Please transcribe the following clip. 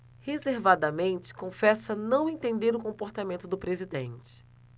reservadamente confessa não entender o comportamento do presidente